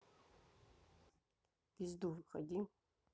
в пизду выходи